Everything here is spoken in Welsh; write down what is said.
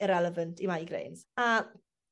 irrelevant i migraines a